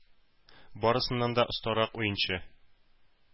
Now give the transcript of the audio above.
Барысыннан да остарак уенчы,